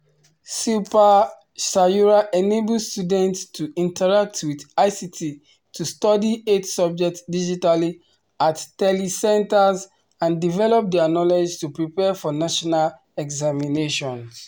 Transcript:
Shilpa Sayura enables students to interact with ICT to study 8 subjects digitally at tele centers and develop their knowledge to prepare for national examinations.